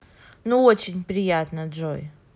ну очень приятно джой